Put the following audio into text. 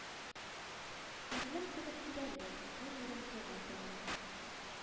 Иделем кебек тирәндер, ул минем туган телем